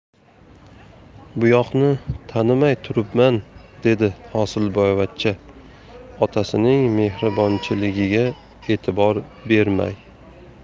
buyoqni tanimay turibman dedi hosilboyvachcha otasining mehribonchiligiga e'tibor bermay